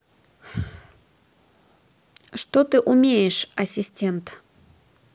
что ты умеешь ассистент